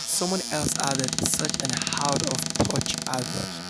Someone else added: "Such an out of touch advert."